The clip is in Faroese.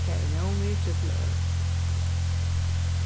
tað er nóg mikið til øll